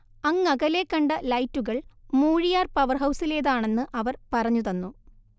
അങ്ങകലെ കണ്ട ലൈറ്റുകൾ മൂഴിയാർ പവർഹൗസിലേതാണെന്ന് അവർ പറഞ്ഞു തന്നു